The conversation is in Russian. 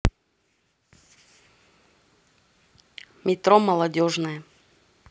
метро молодежное